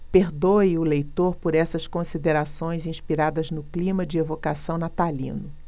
perdoe o leitor por essas considerações inspiradas no clima de evocação natalino